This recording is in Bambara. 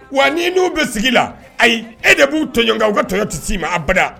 Wa n'i n'u bɛ sigi la ayi e de b'u tɔɲɔ nka u ka tɔɲɔ tɛ s'i ma abada